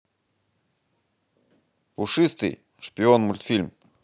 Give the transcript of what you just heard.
пушистый шпион мультфильм